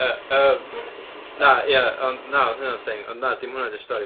Yy yym na ia ond na o'dd hynna'n thing ond na dim hwnna 'di'r stori.